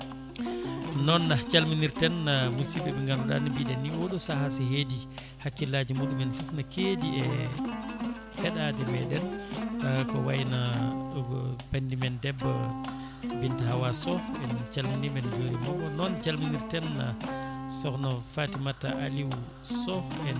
noon calminirten musibɓe ɓe ganduɗa no mbiɗenni oɗo saaha so heedi hakkillaji muɗumen foof ne keedi e heeɗade meɗen ko wayno banimen debbo Binta Hawa Sow en calminimo en jurimamo noon calminirten sokhna Fatimata Aliou Sow